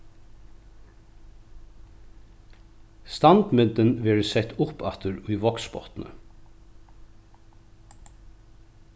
standmyndin verður sett upp aftur í vágsbotni